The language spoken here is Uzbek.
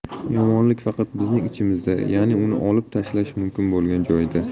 yomonlik faqat bizning ichimizda ya'ni uni olib tashlash mumkin bo'lgan joyda